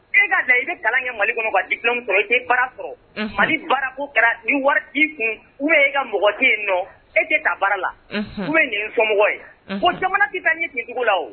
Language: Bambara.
E kaa da i bɛ kalan ye mali kɔnɔbaga di sɔrɔ' baara sɔrɔ mali baara' kɛra ni wari kun u e ka mɔgɔ in nɔ e tɛ taa baara la u ye nin nin fɔmɔgɔ ye ko jamana tɛ ɲɛ t dugu la o